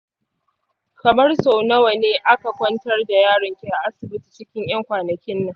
kamar sau nawa ne aka kwantar da yaronki a asibiti cikin yan kwanakinnan?